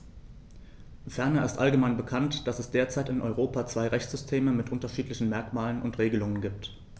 Ferner ist allgemein bekannt, dass es derzeit in Europa zwei Rechtssysteme mit unterschiedlichen Merkmalen und Regelungen gibt.